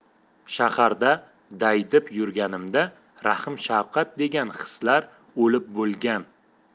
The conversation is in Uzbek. shaharda daydib yurganimda rahm shafqat degan hislar o'lib bo'lgan